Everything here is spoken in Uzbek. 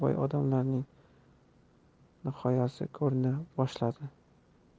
boy damlarning nihoyasi ko'rina boshladi